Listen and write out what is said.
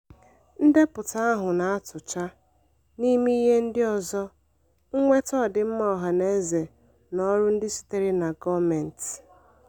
Ndepụta ahụ na-atụcha, n'ime ihe ndị ọzọ, mweta ọdịmma ọhanaeze na ọrụ ndị sitere na gọọmentị.